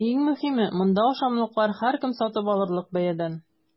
Иң мөһиме – монда ашамлыклар һәркем сатып алырлык бәядән!